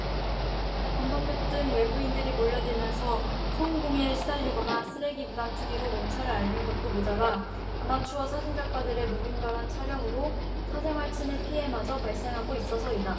관광객 등 외부인들이 몰려 들면서 소음 공해에 시달리거나 쓰레기 무단 투기로 몸살을 앓는 것도 모자라 아마추어 사진가들의 무분별한 촬영으로 사생활 침해 피해마저 발생하고 있어서다